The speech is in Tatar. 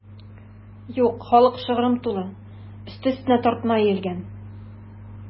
Юк, халык шыгрым тулы, өсте-өстенә тартма өелгән.